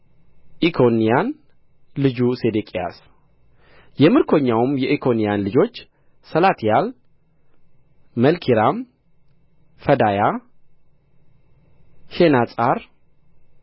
ኢኮንያን ልጁ ሴዴቅያስ የምርኮኛውም የኢኮንያን ልጆች ሰላትያል መልኪራም ፈዳያ ሼናጻር